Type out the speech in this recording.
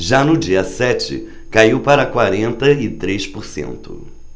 já no dia sete caiu para quarenta e três por cento